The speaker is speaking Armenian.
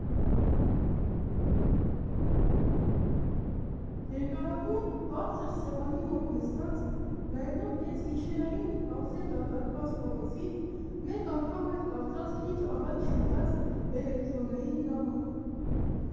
Երկարավուն բարձր սեղանի մոտ նստած՝ նայելով կեսգիշերային, արդեն դատարկված փողոցին մեկ անգամ էլ կարդաց քիչ առաջ եկած էլեկտրոնային նամակը։